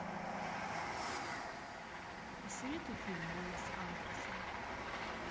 посоветуй фильм уэса андерсона